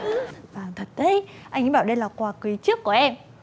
vàng thật đấy anh ý bảo đây là quà cưới trước của em